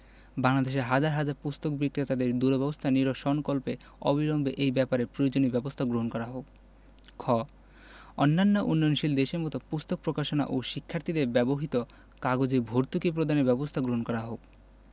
বাংলাদেশের হাজার হাজার পুস্তক বিক্রেতাদের দুরবস্থা নিরসনকল্পে অবিলম্বে এই ব্যাপারে প্রয়োজনীয় ব্যাবস্থা গ্রহণ করা হোক খ অন্যান্য উন্নয়নশীল দেশের মত পুস্তক প্রকাশনা ও শিক্ষার্থীদের ব্যবহৃত কাগজে ভর্তুকি প্রদানের ব্যবস্থা গ্রহণ করা হোক